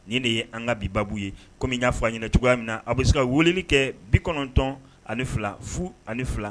Nin de ye an ka bi baa ye kɔmi y'a f' a ɲɛna cogoya min a bɛ se ka wulili kɛ bi kɔnɔntɔn ani fila fu ani fila